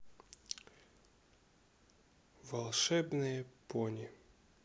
волшебные пони